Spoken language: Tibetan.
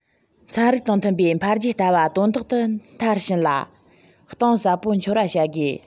ཚན རིག དང མཐུན པའི འཕེལ རྒྱས ལྟ བ དོན ཐོག ཏུ མཐར ཕྱིན ལ གཏིང ཟབ པོ འཁྱོལ བ བྱ དགོས